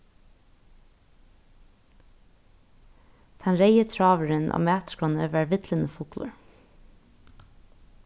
tann reyði tráðurin á matskránni var villinifuglur